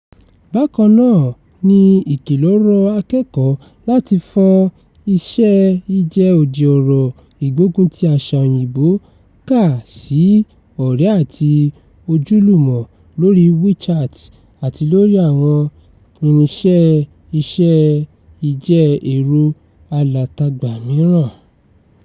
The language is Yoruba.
Bákan náà ni ìkìlọ̀ rọ akẹ́kọ̀ọ́ láti fọ́n iṣẹ́-ìjẹ́ òdì-ọ̀rọ̀ ìgbógunti àṣà Òyìnbó ká sí ọ̀rẹ́ àti ojúlùmọ̀ lórí WeChat àti lórí àwọn irinṣẹ́ iṣẹ́-ìjẹ́ ẹ̀rọ-alátagbà mìíràn.